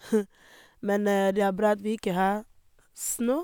Men det er bra at vi ikke har snø.